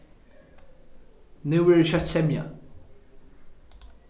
nú verður skjótt semja